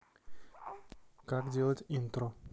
как делать интро